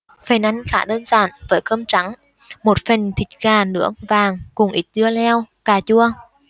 phần ăn khá đơn giản với cơm trắng một phần thịt gà nướng vàng cùng ít dưa leo cà chua